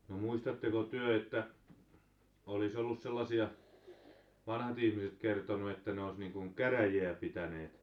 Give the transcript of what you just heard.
no muistatteko te että olisi ollut sellaisia vanhat ihmiset kertonut että ne olisi niin kuin käräjiä pitäneet käärmeet